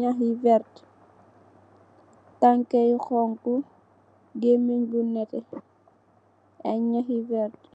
ñax yu vértë, tankë yu xoñgu, gëëmeñge gi nétte.